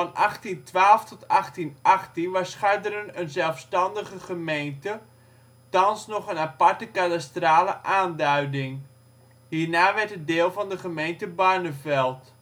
1812 tot 1818 was Garderen een zelfstandige gemeente; thans nog een aparte kadastrale aanduiding. Hierna werd het deel van de gemeente Barneveld